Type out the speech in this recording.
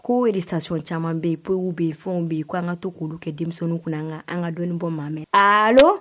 Ko récitation caman bɛ yen poyi bɛ yen fɛnw bɛ yen k' an ka to k'olu kɛ denmisɛnnin kuna an ka dɔni bɔ Mami allo